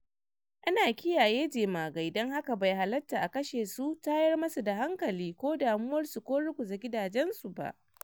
Ana kiyaye jemagai dan haka bai hallatta a kashe su, tayar masu da hankali ko damuwar su ko ruguza gidajen su ba.